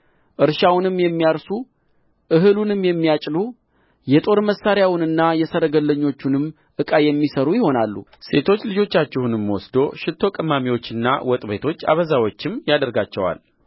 እርሻውንም የሚያርሱ እህሉንም የሚያጭዱ የጦር መሣሪያውንና የሰረገሎቹንም ዕቃ የሚሠሩ ይሆናሉ ሴቶች ልጆቻችሁንም ወስዶ ሽቶ ቀማሚዎችና ወጥቤቶች አበዛዎችም ያደርጋቸዋል